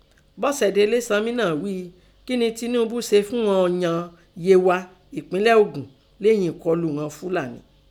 Bọ́sẹ̀dé Ilésanmí náà ghíi kín nẹ Tẹnubú se fìn an ọ̀ǹyàn Yegha ẹ̀pínlẹ̀ Ògùn leyìn ẹ̀kọlù ìnan Fílàní.